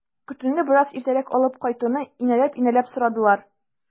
Көтүне бераз иртәрәк алып кайтуны инәлеп-инәлеп сорадылар.